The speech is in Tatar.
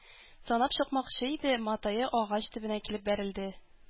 Санап чыкмакчы иде, матае агач төбенә килеп бәрелде.